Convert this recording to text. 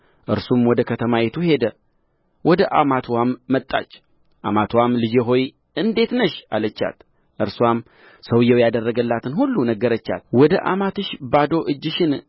እርሱም ወደ ከተማይቱ ሄደ ወደ አማትዋም መጣች አማትዋም ልጄ ሆይ እንዴት ነሽ አለቻት እርስዋም ሰውዮው ያደረገላትን ሁሉ ነገረቻት ወደ አማትሽ ባዶ እጅሽን